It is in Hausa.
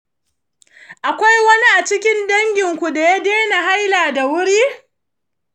akwai wani a cikin danginku da ya daina haila da wuri?